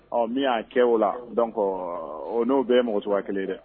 Ɔ min y'a cɛ o la dɔn kɔ o n'o bɛɛ ye mɔgɔsu a kelen dɛ